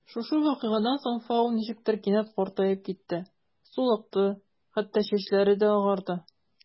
Шушы вакыйгадан соң Фау ничектер кинәт картаеп китте: сулыкты, хәтта чәчләре агарды.